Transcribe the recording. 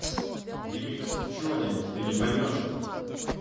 ремикс джонни ты не поймешь